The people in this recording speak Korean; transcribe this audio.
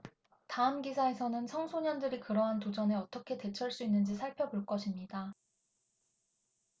다음 기사에서는 청소년들이 그러한 도전에 어떻게 대처할 수 있는지 살펴볼 것입니다